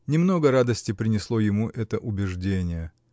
Не много радости принесло ему это убеждение.